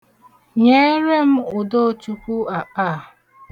Nyeere m Udochukwu akpa a.